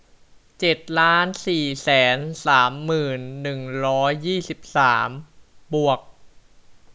เจ็ดล้านสี่แสนสามหมื่นหนึ่งร้อยยี่สิบสามบวก